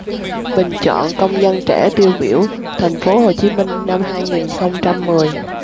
bình chọn công dân trẻ tiêu biểu thành phố hồ chí minh năm hai nghìn không trăm mười